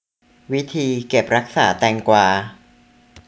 วิธีเก็บรักษาแตงกวา